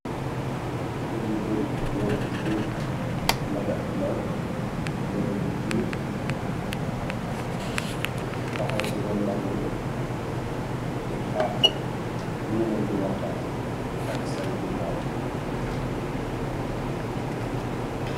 Nityu bari góore ak jigéen mac at ndaw mëta bu bulu taxaw ci roon mango di xaar ak ñenel di waxtaan ak sariti mbam.